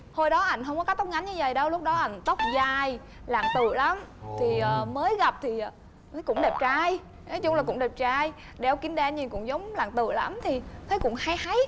hồi đó ẳn không có cắt tóc ngắn như dầy đâu lúc đó ẳn tóc dài lãng tự lắm thì ờ mới gặp thì ờ cũng đẹp trai nói chung thì cũng đẹp trai đeo kính đen nhìn cũng giống lãng tự lắm thì thấy cũng hay hay